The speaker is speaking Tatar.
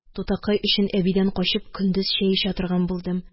Тутакай өчен әбидән качып көндез чәй эчә торган булдым.